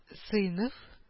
Сыйныф